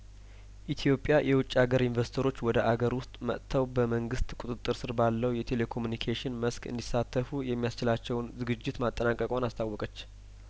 ኢትዮጵ የውጭ አገር ኢንቨስተሮች ወደ አገር ውስጥ መጥተው በመንግስት ቁጥጥር ስር ባለው የቴሌኮሚኒኬሽን መስክ እንዲ ሳተፉ የሚያስችላቸውን ዝግጅት ማጠናቀቋን አስታወቀች